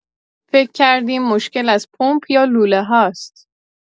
فکر کردیم مشکل از پمپ یا لوله‌هاست.